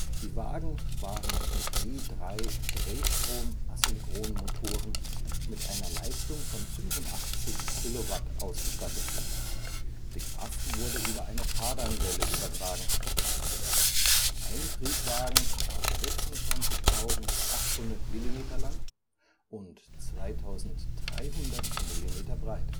Die Wagen waren mit je drei Drehstrom-Asynchron-Motoren mit einer Leistung von 85 Kilowatt ausgestattet. Die Kraft wurde über eine Kardanwelle übertragen. Ein Triebwagen war 26.800 Millimeter lang und 2.300 Millimeter breit